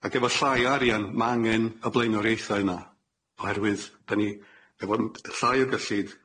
Ag efo llai o arian ma' angen y blaenoriaethau yna, oherwydd dan ni efo m- llai o gyllid